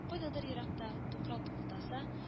Кайдадыр еракта тукран тукылдаса